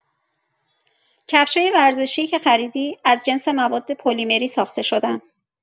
کفشای ورزشی که خریدی از جنس مواد پلیمری ساخته شده‌ن.